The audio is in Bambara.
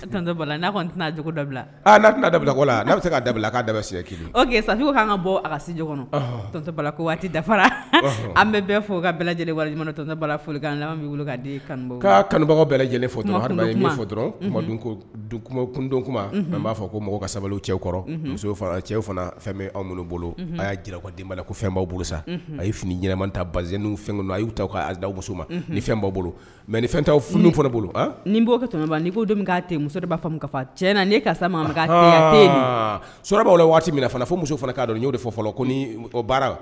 N'a tɛna' dabila tɛna da bɛ se da' da safin ka kan ka bɔ a kasi jɔ kɔnɔ ko waati dafara an bɛ bɛ fɔ ka lajɛlen bolo kanu kanubaga bɛɛ lajɛlen fɔ fɔ dɔrɔn ko b'a fɔ ko mɔgɔ ka sabali cɛw kɔrɔ musow cɛw fɛn bɛ bolo a'a jiraden ko fɛnbaw bolo sa a ye fini ɲɛnaman ta ba fɛn a y' kada muso ma ni fɛn bolo mɛ ni fɛn f bolo ni kɛ ni' k'a muso de b'a fɔ ti na karisa su waati min fo muso k'a dɔn n'o de fɔ fɔlɔ ko baara wa